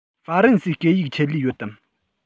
ཧྥ རན སིའི སྐད ཡིག ཆེད ལས ཡོད དམ